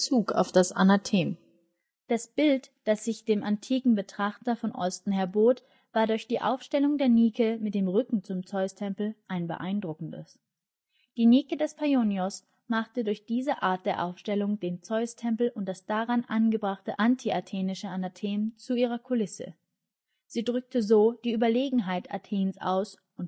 Das Bild, das sich dem antiken Betrachter von Osten her bot, war durch die Aufstellung der Nike mit dem Rücken zum Zeustempel ein beeindruckendes. Die Nike des Paionios machte durch diese Art der Aufstellung den Zeustempel und das daran angebrachte antiathenische Anathem zu ihrer Kulisse. Sie drückte so die Überlegenheit Athens aus und tilgte den Erfolg der Spartaner